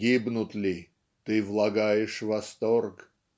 гибнут ли - ты влагаешь восторг.